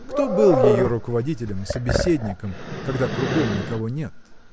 Кто был ее руководителем, собеседником, когда кругом никого нет?